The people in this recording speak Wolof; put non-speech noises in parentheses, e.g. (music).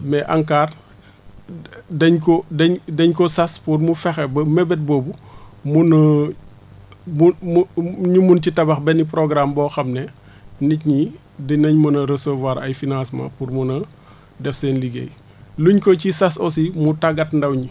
mais ANCAR dañ ko dañ dañ ko sas pour mu fexe ba mébét boobu (breath) mun a mu mu ñu mun ci tabax benn programme boo xam ne nit ñi dinañ mën a recevoir ay financements pour mun a def seen liggéey luñ ko ci sas aussi mu tàggat ndaw ñi